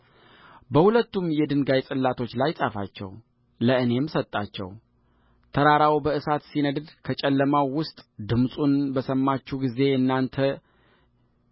በሁለቱም የድንጋይ ጽላቶች ላይ ጻፋቸው ለእኔም ሰጣቸውተራራው በእሳት ሲነድድ ከጨለማው ውስጥ ድምፁን በሰማችሁ ጊዜ እናንተ